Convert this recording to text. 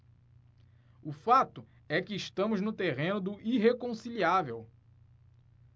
o fato é que estamos no terreno do irreconciliável